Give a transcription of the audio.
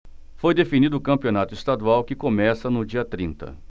foi definido o campeonato estadual que começa no dia trinta